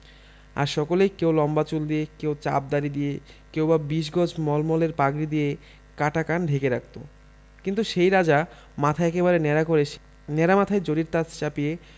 আর সকলেই কেউ লম্বা চুল দিয়ে কেউ চাপ দাড়ি দিয়ে কেউ বা বিশ গজ মলমলের পাগড়ি দিয়ে কাটা কান ঢেকে রাখত কিন্তু সেই রাজা মাথা একেবারে ন্যাড়া করে সেই ন্যাড়া মাথায় জরির তাজ চাপিয়ে